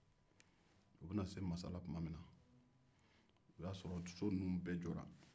u bɛ na se masala tuma min na o y'a sɔrɔ so ninnuw bɛɛ jɔra